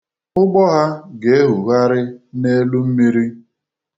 Ụgbọ ha ga-ehugharị n'elu mmiri.